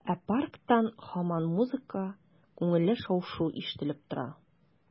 Ә парктан һаман музыка, күңелле шау-шу ишетелеп тора.